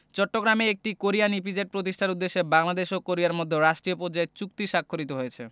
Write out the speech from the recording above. চট্টগ্রামে একটি Korean EPZ প্রতিষ্ঠার উদ্দেশ্যে বাংলাদেশ ও কোরিয়ার মধ্যে রাষ্ট্রীয় পর্যায়ে চুক্তি স্বাক্ষরিত হয়েছে